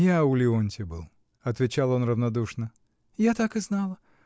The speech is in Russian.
— Я у Леонтья был, — отвечал он равнодушно. — Я так и знала